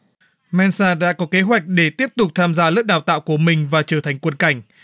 men sa đã có kế hoạch để tiếp tục tham gia lớp đào tạo của mình và trở thành quân cảnh